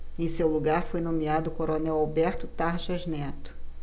em seu lugar foi nomeado o coronel alberto tarjas neto